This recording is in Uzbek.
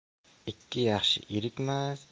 ikki yaxshi erikmas